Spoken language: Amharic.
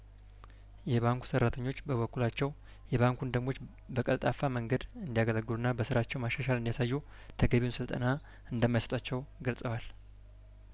የባንኩ ሰራተኞች በበኩላቸው የባንኩን ደንቦች በቀልጣፋ መንገድ እንዲ ያገለግሉና በስራቸው መሻሻል እንዲያሳዩ ተገቢውን ስልጠና እንደማይሰጧቸው ገልጸዋል